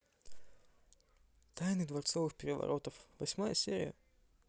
тайны дворцовых переворотов восьмая серия